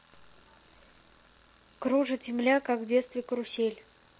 кружит земля как в детстве карусель